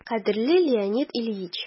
«кадерле леонид ильич!»